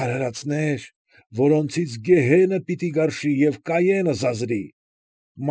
Արարածնե՜ր, որոնցից գեհենը պիտի գարշի և Կայենը զազրի։